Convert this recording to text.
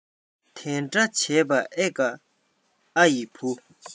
དེ འདྲ བྱས པ ཨེ དགའ ཨ ཡི བུ